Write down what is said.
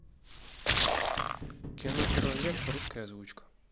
кино король лев русская озвучка